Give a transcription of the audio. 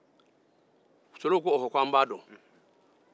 solow ko an b'a dɔn